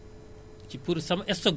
assurance bi foofu la yam